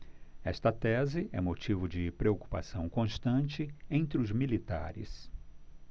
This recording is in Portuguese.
esta tese é motivo de preocupação constante entre os militares